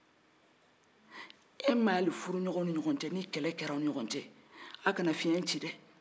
ni kɛlɛ kɛra furuɲɔgɔnw ni ɲɔgɔn cɛ a' kana fiɲɛ ci dɛ